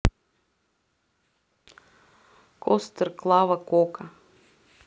костер клава кока